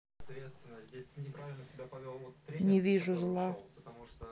не вижу зла